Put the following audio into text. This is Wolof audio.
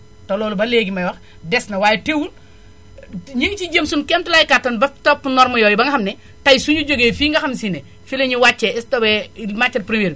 te loolu ba léegi may wax des na waaye teewul ñu ngi siy jéem sunu kéemtulaay kàttan ba topp normes yooyu ba nga xam ne tay suñu jógee fii nga xam si ne fi la ñuy wàcce stocké matière première bi